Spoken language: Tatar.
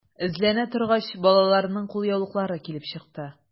Эзләнә торгач, балаларның кулъяулыклары килеп чыкты.